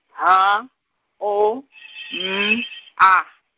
H O M A.